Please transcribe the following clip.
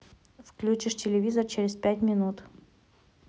выключишь телевизор через пять минут